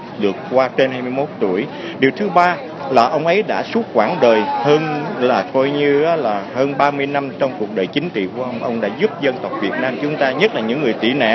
được qua trên hai mươi mốt tuổi điều thứ ba là ông ấy đã suốt quãng đời hơn là coi như là hơn ba mươi năm trong cuộc đời chính trị của ông ông đã giúp dân tộc việt nam chúng ta nhất là những người tị nạn